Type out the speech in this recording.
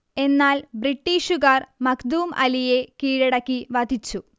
എന്നാൽ ബ്രിട്ടീഷുകാർ മഖ്ദൂം അലിയെ കീഴടക്കി വധിച്ചു